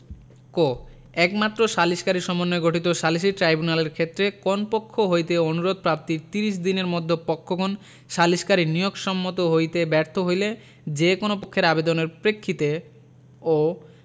ক একমাত্র সালিকসারীর সমন্বয়ে গঠিত সালিসী ট্রাইব্যুনালের ক্ষেত্রে কোন পক্ষ হইতে অনুরোধ প্রাপ্তির ত্রিশ দিনের মধ্যে পক্ষগণ সালিসকারী নিয়োগ সম্মত হইতে ব্যর্থ হইলে যে কোন পক্ষের আবেদনের প্রেক্ষিতে অ